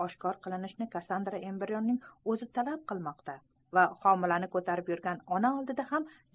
oshkor qilinishini kassandra embrionning o'zi talab etmoqda va homilani ko'tarib yurgan ona oldida ham